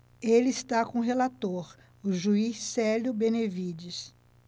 ele está com o relator o juiz célio benevides